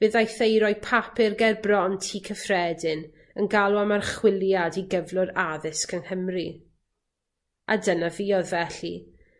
fe ddaeth e i roi papur ger bron tŷ cyffredin yn galw am archwiliad i gyflwr addysg yng Nghymru, a dyna fuodd felly